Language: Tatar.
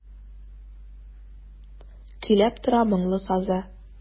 Көйләп тора моңлы сазы.